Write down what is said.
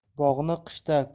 bog'ni qishda ko'l